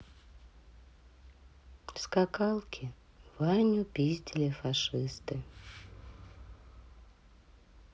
скакалки ваню пиздили фашисты